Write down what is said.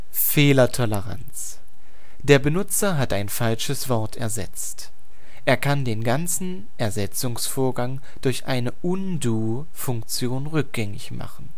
Fehlertoleranz Der Benutzer hat ein falsches Wort ersetzt. Er kann den ganzen Ersetzungsvorgang durch eine Undo-Funktion rückgängig machen